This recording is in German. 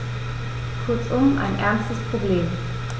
Kurzum, ein ernstes Problem.